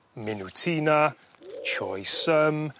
minutina choy sum